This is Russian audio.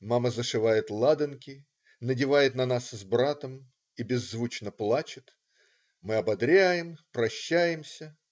Мама зашивает ладанки, надевает на нас с братом и беззвучно плачет. Мы ободряем. Прощаемся.